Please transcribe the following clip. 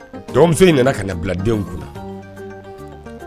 Ɔrɔmuso in nana ka biladenw kunna